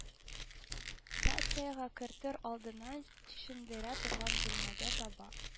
Рациягә кертер алдыннан чишендерә торган бүлмәгә таба